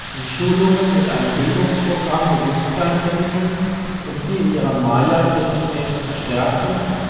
in Schulungen mit einem Bildungsprogramm Bewusstsein vermitteln, um sie in ihrer Maya-Identität zu stärken und zu gesellschaftspolitischer